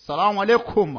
San wɛrɛ ko ma